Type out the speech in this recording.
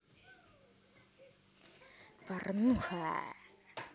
порнуха